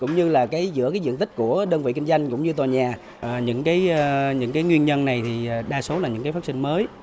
cũng như là cái giữa cái diện tích của đơn vị kinh doanh cũng như tòa nhà à những cái những cái nguyên nhân này thì đa số là những cái phát sinh mới